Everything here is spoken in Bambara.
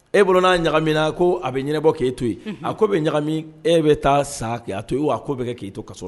E bolo n'a ɲaga min na ko a bɛ ɲɛnabɔ k'e to yen a ko bɛ ɲagami e bɛ taa sa kɛ a to yen wa k' bɛ kɛ k'yita to kasɔ la